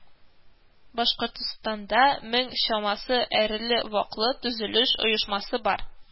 Башкортстанда мең чамасы эреле-ваклы төзелеш оешмасы бар